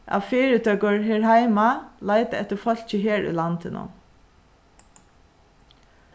at fyritøkur her heima leita eftir fólki her í landinum